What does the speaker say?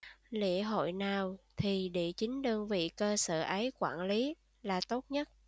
lễ hội nào thì để chính đơn vị cơ sở ấy quản lý là tốt nhất